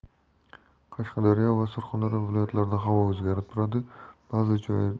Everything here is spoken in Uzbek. qashqadaryo va surxondaryo viloyatlarida havo o'zgarib